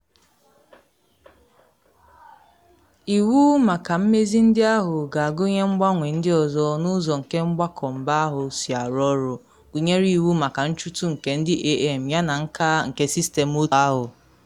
Iwu maka mmezi ndị ahụ ga-agụnye mgbanwe ndị ọzọ n’ụzọ nke mgbakọ mba ahụ si arụ ọrụ, gụnyere iwu maka nchutu nke ndị AM yana nka nke sistemụ otu ahụ.